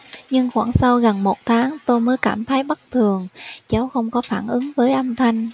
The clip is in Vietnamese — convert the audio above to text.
nhưng khoảng sau gần một tháng tôi mới cảm thấy bất thường cháu không có phản ứng với âm thanh